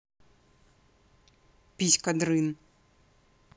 писька дрын